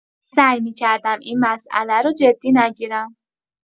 سعی می‌کردم این مسئله رو جدی نگیرم.